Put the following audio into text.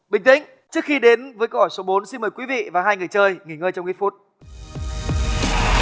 bình tĩnh trước khi đến với câu hỏi số bốn xin mời quý vị và hai người chơi nghỉ ngơi trong ít phút